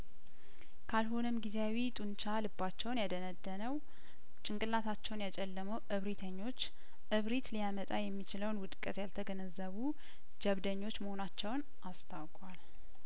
ካልሆነም ጊዜያዊ ጡንቻ ልባቸውን ያደነደነው ጭንቅላታቸውን ያጨለመው እብሪተኞች እብሪት ሊያመጣ የሚችለውን ውድቀት ያልተ ገነዘቡ ጀብደኞች መሆናቸውን አስታውቀዋል